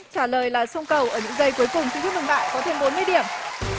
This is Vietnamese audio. trả lời là sông cầu ở những giây cuối cùng xin chúc mừng bạn có thêm bốn mươi điểm